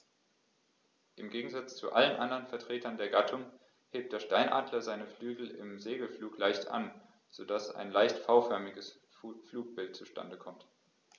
Im Gegensatz zu allen anderen Vertretern der Gattung hebt der Steinadler seine Flügel im Segelflug leicht an, so dass ein leicht V-förmiges Flugbild zustande kommt.